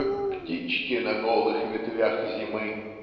"как птички на голых ветвях зимы"